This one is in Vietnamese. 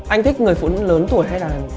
anh thích người phụ nữ lớn tuổi hay là